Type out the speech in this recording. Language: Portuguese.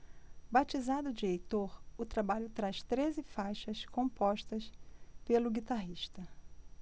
batizado de heitor o trabalho traz treze faixas compostas pelo guitarrista